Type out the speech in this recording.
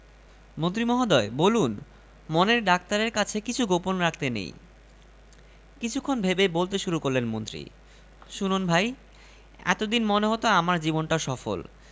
মন্ত্রী মহোদয় বলুন মনের ডাক্তারের কাছে কিছু গোপন রাখতে নেই কিছুক্ষণ ভেবে বলতে শুরু করলেন মন্ত্রী শুনুন ভাই এত দিন মনে হতো আমার জীবনটা সফল